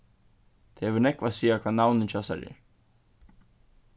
tað hevur nógv at siga hvat navnið hjá sær er